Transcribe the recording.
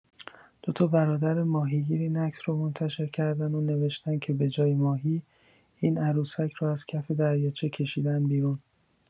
دوتا برادر ماهیگیر این عکس رو منتشر کردن و نوشتن که بجای ماهی، این عروسک رو از کف دریاچه کشیدن بیرون